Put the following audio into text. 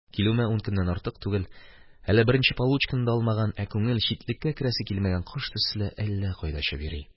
Килүемә ун көннән артык түгел, әле беренче получканы да алмаган, ә күңел, читлеккә керәсе килмәгән кош төсле, әллә кайда очып йөри.